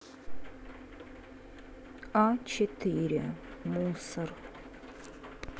а четыре мусор